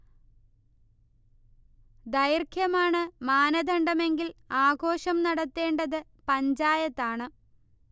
ദൈർഘ്യമാണ് മാനദണ്ഡമെങ്കിൽ ആഘോഷം നടത്തേണ്ടത് പഞ്ചായത്താണ്